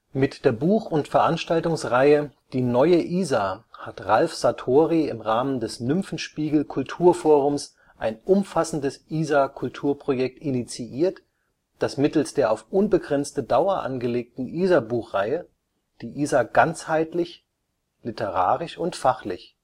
Mit der Buch - und Veranstaltungsreihe „ Die neue Isar “hat Ralf Sartori im Rahmen des „ Nymphenspiegel Kulturforums “ein umfassendes Isar-Kulturprojekt initiiert, das mittels der auf unbegrenzte Dauer angelegten Isarbuchreihe, die Isar ganzheitlich – literarisch und fachlich